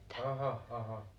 aha aha